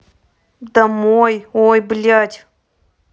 домой ой блядь